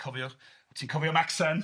Cofiwch, ti'n cofio Macsen?